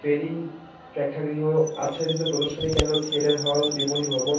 ফেরি প্রেক্ষাগ্রহ আচ্ছাদিত প্রদর্শনী কেন্দ্র থিয়েটার হল বিপণী ভবন